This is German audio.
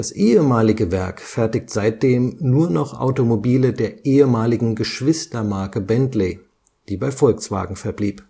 ehemalige Werk in Crewe fertigt seitdem nur noch Automobile der ehemaligen Geschwister-Marke Bentley, die bei Volkswagen verblieb